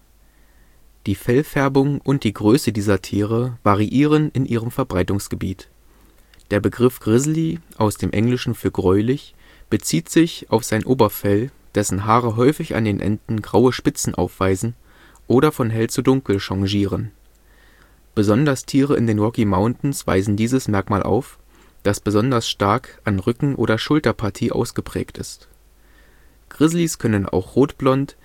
Die Fellfärbung und die Größe dieser Tiere variieren in ihrem Verbreitungsgebiet. Der Begriff „ grizzly “(aus dem Englischen für „ gräulich “) bezieht sich auf sein Oberfell, dessen Haare häufig an den Enden graue Spitzen aufweisen oder von hell zu dunkel changieren. Besonders Tiere in den Rocky Mountains weisen dieses Merkmal auf, das besonders stark an Rücken oder Schulterpartie ausgeprägt ist. Grizzlys können aber auch rotblond